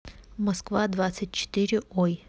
москва двадцать четыре ой